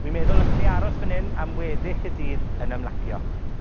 wi'n meddwl allwn i aros fan 'yn am weddill y dydd yn ymlacio.